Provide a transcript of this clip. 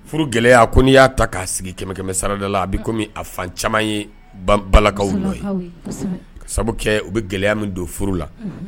Furu gɛlɛya ko n'i y'a ta k'a sigi kɛmɛ kɛmɛ sarada la a bɛ komi a fan caman ye balakaw nɔ ye, kosɛbɛ, k'a sabu kɛ u bɛ gɛlɛya min don furu la, unhun